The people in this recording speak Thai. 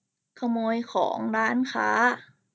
ขโมยของร้านค้า